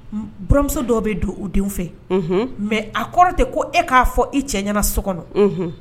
Un, buramuso dɔw bɛ don u denw fɛ, unhun, mais a kɔrɔ tɛ ko e k'a fɔ i cɛ ɲɛna so kɔnɔ, unhun.